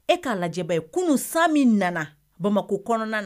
E k'a lajɛ bann, kunun ,san min nana Bamakɔ kɔnɔna.